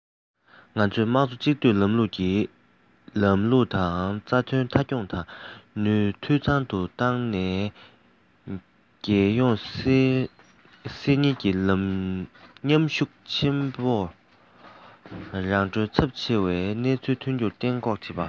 ང ཚོས དམངས གཙོ གཅིག སྡུད ལམ ལུགས ཀྱི ལམ ལུགས དང རྩ དོན མཐའ འཁྱོངས དང འཐུས ཚང དུ བཏང ནས རྒྱལ སྐྱོང སྲིད གཉེར གྱི མཉམ ཤུགས ཆེན པོ རང གྲོན ཚབས ཆེ བའི སྣང ཚུལ ཐོན རྒྱུ གཏན འགོག བྱེད དགོས